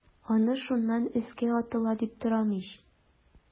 Аны шуннан өскә атыла дип торам ич.